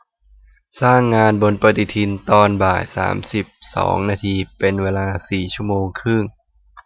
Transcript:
สร้างงานบนปฎิทินตอนบ่ายโมงสามสิบสองนาทีเป็นเวลาสี่ชั่วโมงครึ่ง